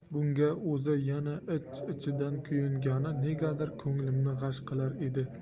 bunga o'zi yana ich ichidan kuyingani negadir ko'nglimni g'ash qilar edi